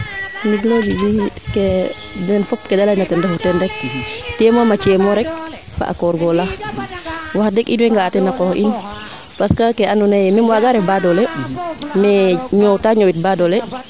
ndigilo Djiby ke den fop keede leyna den refu teen rek tiye moo a ceemo rek fa a koorgoorlax wax deg iwey nga'a teen a qoox in parce que kee ando naye waaga ref badoola mais ñoowta ñoowit baadola